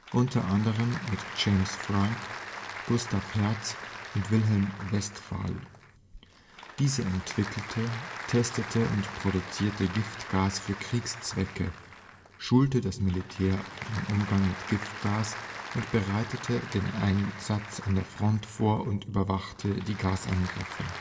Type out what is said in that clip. u. a. mit James Franck, Gustav Hertz und Wilhelm Westphal). Diese entwickelte, testete und produzierte Giftgas für Kriegszwecke, schulte das Militär für den Umgang mit Giftgas, bereitete den Einsatz an der Front vor und überwachte die Gasangriffe